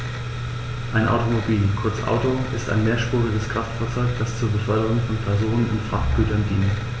Ein Automobil, kurz Auto, ist ein mehrspuriges Kraftfahrzeug, das zur Beförderung von Personen und Frachtgütern dient.